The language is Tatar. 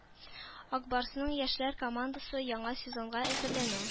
“ак барс”ның яшьләр командасы яңа сезонга әзерләнә